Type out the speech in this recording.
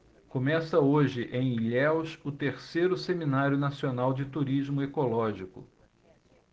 começa hoje em ilhéus o terceiro seminário nacional de turismo ecológico